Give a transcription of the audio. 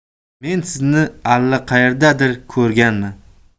men sizni allaqayerdadir ko'rganman